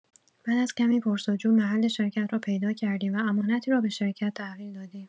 بعد از کمی پرس‌وجو محل شرکت را پیدا کردیم و امانتی را به شرکت تحویل دادیم.